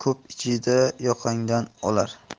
ko'p ichida yoqangdan olar